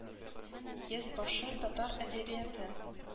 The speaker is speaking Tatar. Йөз башы татар әдәбияты